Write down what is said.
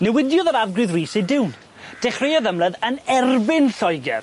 Newidiodd yr arglwydd Rhys ei diwn dechreuodd ymladd yn erbyn Lloeger.